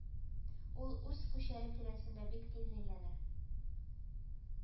Ул үз күчәре тирәсендә бик тиз әйләнә